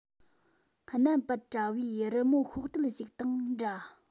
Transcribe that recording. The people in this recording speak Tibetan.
རྣམ པར བཀྲ བའི རི མོ ཤོག དྲིལ ཞིག དང འདྲ